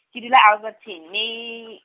ke dula Alberton .